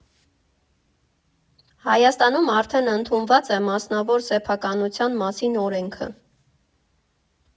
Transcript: Հայաստանում արդեն ընդունված է մասնավոր սեփականության մասին օրենքը։